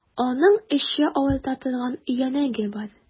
Аның эче авырта торган өянәге бар.